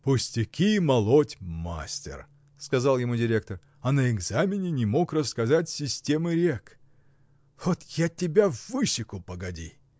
— Пустяки молоть мастер, — сказал ему директор, — а на экзамене не мог рассказать системы рек! Вот я тебя высеку, погоди!